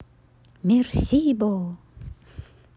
мерсибо